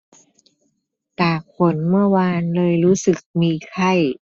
ตากฝนเมื่อวานเลยรู้สึกมีไข้